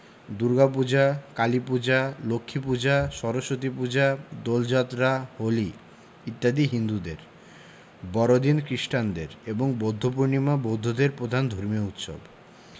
দুর্গাপূজা কালীপূজা লক্ষ্মীপূজা সরস্বতীপূজা দোলযাত্রা হোলি ইত্যাদি হিন্দুদের বড়দিন খ্রিস্টানদের এবং বৌদ্ধপূর্ণিমা বৌদ্ধদের প্রধান ধর্মীয় উৎসব